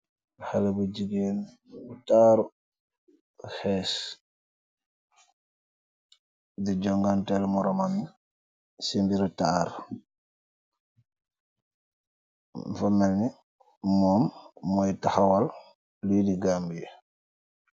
xale bu jigeen b taaru xees di jonganteel moramann ci mbiru taar famelni moom mooy taxawal luy di gamb yui.